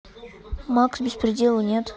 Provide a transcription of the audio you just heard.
макс беспределу нет